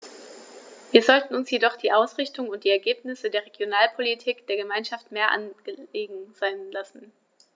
Wir sollten uns jedoch die Ausrichtung und die Ergebnisse der Regionalpolitik der Gemeinschaft mehr angelegen sein lassen.